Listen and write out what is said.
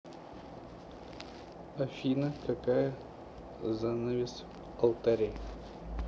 афина какая занавес в алтаре